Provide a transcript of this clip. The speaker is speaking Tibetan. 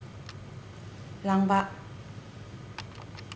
རླངས པ